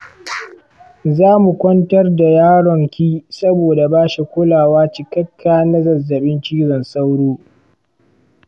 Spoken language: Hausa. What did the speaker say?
zamu kwantar da yaron ki saboda bashi kula cikakka na zazzabin cizon sauro